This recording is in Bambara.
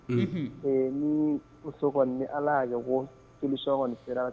Ee ni kɔni ni ala y' ɲɛfɔ ko kisi kɔni sera